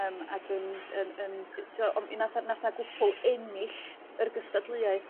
Yym ag yn yn yn d- t'o' ond mi nath 'a nath 'na gwpl ennill yr gystadleuaeth